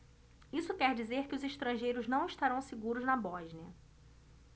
isso quer dizer que os estrangeiros não estarão seguros na bósnia